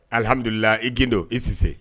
Alihamdulila i gdo i sise